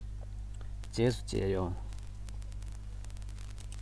རྗེས སུ མཇལ ཡོང